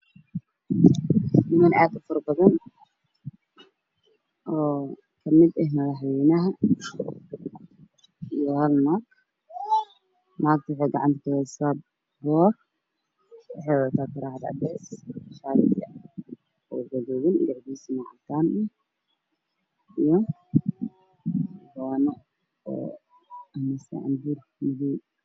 Niman aad u faro badan oo kamid eh madaxweynaha iyo hal naag nagta waxey gacanta ku heysaa boor diracad cadeys , shaati oo gududan laakinsa oo midabkisana cadan eh iyo gaano oo mise canbuur midood